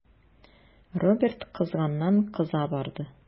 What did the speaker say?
Роберт кызганнан-кыза барды.